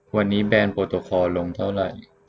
วันนี้แบรนด์โปรโตคอลลงเท่าไหร่